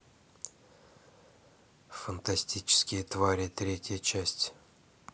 фантастические твари третья часть